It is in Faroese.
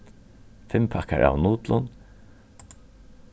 fimm pakkar av nudlum